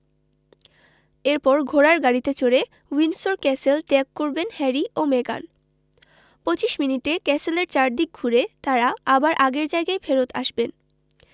এরপর ঘোড়ার গাড়িতে চড়ে উইন্ডসর ক্যাসেল ত্যাগ করবেন হ্যারি ও মেগান ২৫ মিনিটে ক্যাসেলের চারদিক ঘুরে তাঁরা আবার আগের জায়গায় ফেরত আসবেন